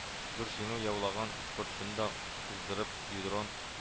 Зур җиңү яулаган спортчыны да уздырып йодрыгын